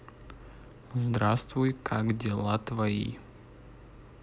здравствуй как дела твои